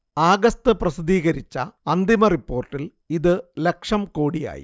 ആഗസ്ത് പ്രസിദ്ധീകരിച്ച അന്തിമ റിപ്പോർട്ടിൽ ഇത് ലക്ഷം കോടിയായി